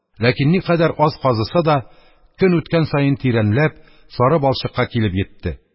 Ләкин никадәр аз казыса да, көн үткән саен тирәнләп, сары балчыкка килеп йитте